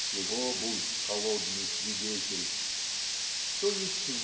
"всего будь холодный свидетель", т. е.